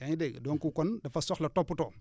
yaa ngi dégg donc kon dafa soxla toppatoo